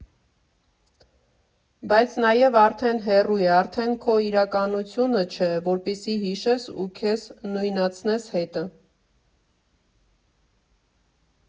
Բայց նաև արդեն հեռու է, արդեն քո իրականությունը չէ, որպեսզի հիշես ու քեզ նույնացնես հետը։